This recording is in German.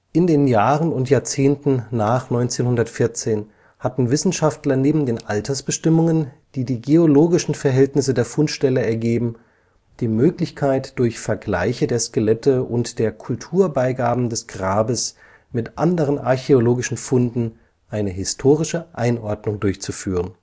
In den Jahren und Jahrzehnten nach 1914 hatten Wissenschaftler neben den Altersbestimmungen, die die geologischen Verhältnisse der Fundstelle ergeben, die Möglichkeit durch Vergleiche der Skelette und der Kulturbeigaben des Grabes mit anderen archäologischen Funden eine historische Einordnung durchzuführen